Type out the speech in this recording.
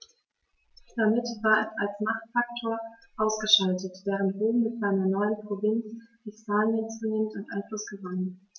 Damit war es als Machtfaktor ausgeschaltet, während Rom mit seiner neuen Provinz Hispanien zunehmend an Einfluss gewann.